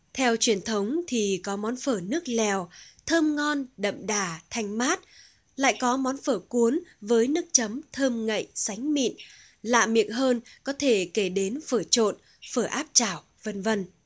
theo truyền thống thì có món phở nước lèo thơm ngon đậm đà thanh mát lại có món phở cuốn với nước chấm thơm ngậy sánh mịn lạ miệng hơn có thể kể đến phở trộn phở áp chảo vân vân